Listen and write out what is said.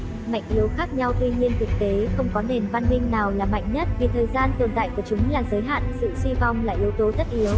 mạnh yếu khác nhau tuy nhiên thực tế không có nền văn minh minh nào là mạnh nhất vì thời gian tồn tại của chúng là giới hạn sự suy vong là yếu tố tất yếu